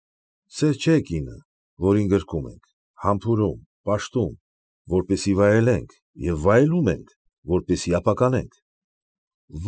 Սեր չէ կինը, որին գրկում ենք, համբուրում, պաշտում, որպեսզի վայելենք և վայելում ենք, որպեսզի ապականենք։